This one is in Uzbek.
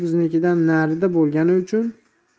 biznikidan narida bo'lgani uchun